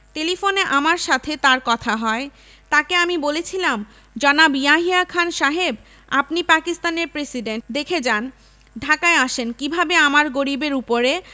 টেলিফোনে আমার সাথে তাঁর কথা হয় তাঁকে আমি বলেছিলাম জনাব ইয়াহিয়া খান সাহেব আপনি পাকিস্তানের প্রেসিডেন্ট দেখে যান ঢাকায় আসেন কীভাবে আমার গরিবের উপরে